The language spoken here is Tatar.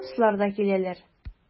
Урыслар да киләләр.